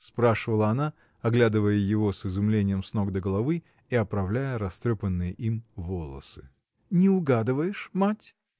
— спрашивала она, оглядывая его с изумлением с ног до головы и оправляя растрепанные им волосы. — Не угадываешь, мать?